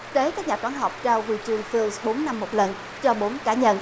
tế các nhà khoa học trao huy chương phiu bốn năm một lần cho bốn cá nhân